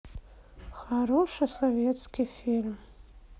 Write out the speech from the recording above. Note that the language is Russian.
хороший советский фильм